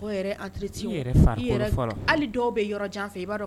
Dɔw bɛ yɔrɔ jan ba